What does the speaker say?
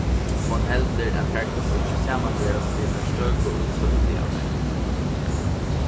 hon heldur at tær kunnu ikki samanberast við teir støku útsøludagarnar